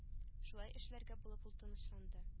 Шулай эшләргә булып ул тынычланды